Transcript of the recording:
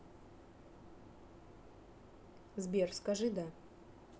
сбер скажи да